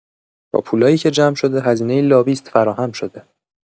با پولایی که جمع شده هزینه لابیست فراهم‌شده